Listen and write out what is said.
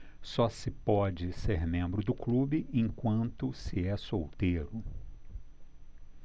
só se pode ser membro do clube enquanto se é solteiro